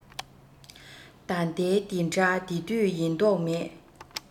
ད ལྟའི དེ འདྲ དེ དུས ཡིན མདོག མེད